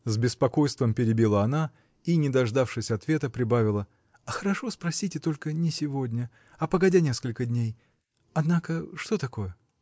— с беспокойством перебила она и, не дождавшись ответа, прибавила: — хорошо, спросите, только не сегодня, а погодя несколько дней. Однако — что такое?